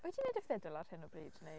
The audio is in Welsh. Wyt ti'n neud y ffidil ar hyn o bryd neu...